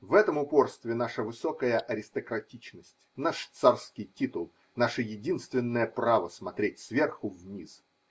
В этом упорстве наша высокая аристократичность, наш царский титул, наше единственное право смотреть сверху вниз.